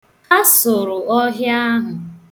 Ha sụrụ ọhịa ahụ.